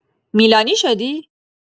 میلانی شدی؟